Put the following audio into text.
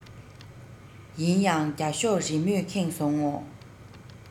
ཡིན ཡང རྒྱ ཤོག རི མོས ཁེངས སོང ངོ